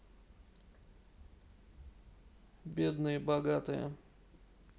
бедные богатые